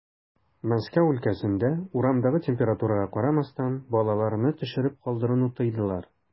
Мәскәү өлкәсендә, урамдагы температурага карамастан, балаларны төшереп калдыруны тыйдылар.